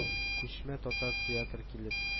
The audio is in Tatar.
Күчмә татар театры килеп